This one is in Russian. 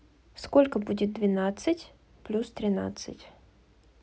сколько будет двенадцать плюс тринадцать